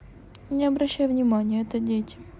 не обращай внимания это дети